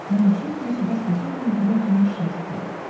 -- Я не чувствую себя способным сделать ее счастие.